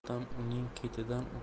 dadam uning ketidan